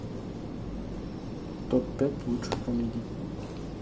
топ пять лучших комедий